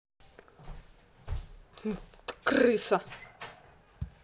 ты крыса